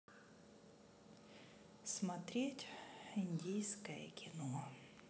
смотреть индийское кино